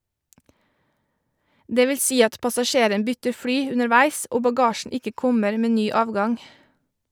Det vil si at passasjeren bytter fly underveis og bagasjen ikke kommer med ny avgang.